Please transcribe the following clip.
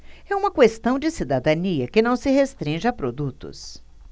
é uma questão de cidadania que não se restringe a produtos